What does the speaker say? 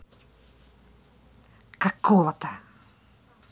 какого то